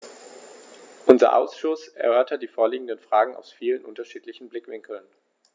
Unser Ausschuss erörtert die vorliegenden Fragen aus vielen unterschiedlichen Blickwinkeln.